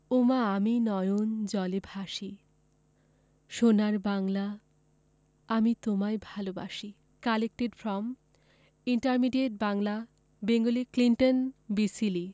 ওমা আমি নয়ন জলে ভাসি সোনার বাংলা আমি তোমায় ভালবাসি collected from intermediate Bangla Bengali Clinton B Seely